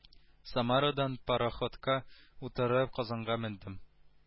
Самарадан пароходка утырып казанга мендем